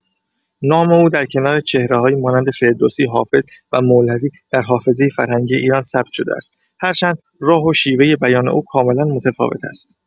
نام او در کنار چهره‌هایی مانند فردوسی، حافظ و مولوی در حافظه فرهنگی ایران ثبت شده است، هرچند راه و شیوه بیان او کاملا متفاوت است.